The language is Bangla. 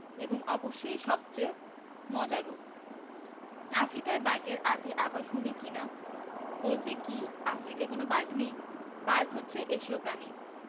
এবং অবশ্যই সবচেয়ে মজারও আফ্রিকাই বাঘের আদি আবাসভূমি কি না বলতে কী আফ্রিকায় কোনো বাঘ নেই বাঘ হচ্ছে এশীয় প্রাণী